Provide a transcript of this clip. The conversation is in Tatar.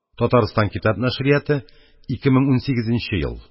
Татарстан китап нәшрияты, 2018 ел